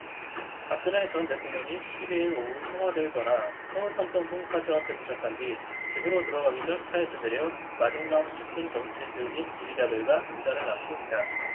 박근혜 전 대통령이 십 이 일 오후 청와대를 떠나 서울 삼성동 사저 앞에 도착한 뒤 집으로 들어가기 전 차에서 내려 마중 나온 측근 정치인들 및 지지자들과 인사를 나누고 있다